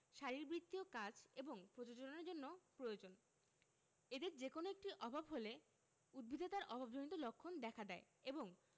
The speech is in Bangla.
শারীরবৃত্তীয় কাজ এবং প্রজননের জন্য প্রয়োজন এদের যেকোনো একটির অভাব হলে উদ্ভিদে তার অভাবজনিত লক্ষণ দেখা দেয় এবং